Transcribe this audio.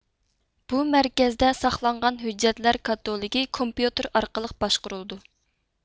بۇ مەركەزدە ساقلانغان ھۆججەتلەر كاتالوگى كومپيۇتېر ئارقىلىق باشقۇرۇلىدۇ